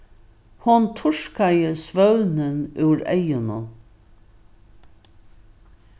hon turkaði svøvnin úr eygunum